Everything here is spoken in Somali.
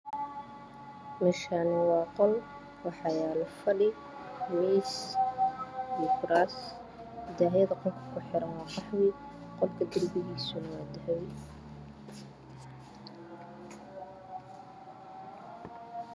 Meshna waa qol waxa yalo fadhi mis io kuras dahmanka qolka kuxiran waa qahwi qolka dirbiga waa dahbi